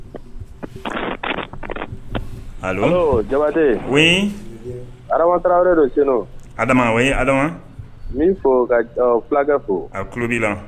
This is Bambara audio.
˂˃ allo allo Jabatɛ Adama tawele don SENU Adama oui Adama n b'i fo ka filakɛ fo a tulo b'i la